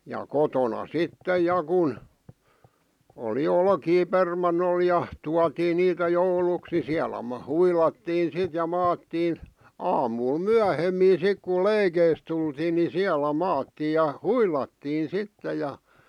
ja kotona sitten ja kun oli olkia permannolla ja tuotiin niitä jouluksi niin siellä - huilattiin sitten ja maattiin aamulla myöhemmin sitten kun leikeistä tultiin niin siellä maattiin ja huilattiin sitten ja